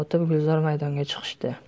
gulzor maydonga chiqishdi